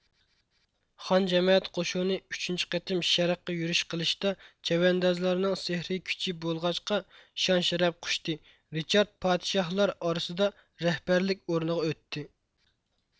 خان جەمەتى قوشۇنى ئۈچىنچى قېتىم شەرققە يۈرۈش قىلىشتا چەۋەندازلارنىڭ سېھرىي كۈچى بولغاچقا شان شەرەپ قۇچتى رىچارد پادىشاھلار ئارىسىدا رەھبەرلىك ئورنىغا ئۆتتى